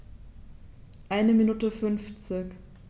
Eine Minute 50